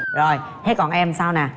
rồi thế còn em sao nè